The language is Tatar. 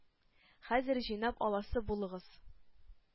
-хәзер җыйнап аласы булыгыз!